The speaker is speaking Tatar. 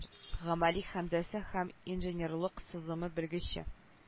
Гамәли һәндәсә һәм инженерлык сызымы белгече